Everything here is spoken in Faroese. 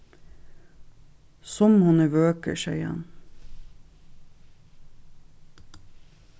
sum hon er vøkur segði hann